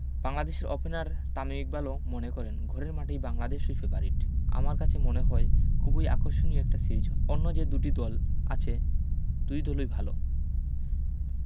বাংলাদেশের অপেনার তামিম ইকবালও মনে করেন ঘরের মাঠে বাংলাদেশই ফেবারিট আমার কাছে মনে হয় খুবই আকর্ষণীয় একটা সিরিজ অন্য যে দুটি দল আছে দুই দলই ভালো